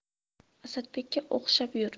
asadbekka o'xshab yur